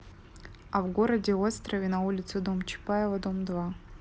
а в городе острове на улице дом чапаева дом два